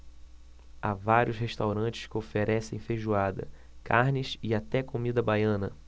há vários restaurantes que oferecem feijoada carnes e até comida baiana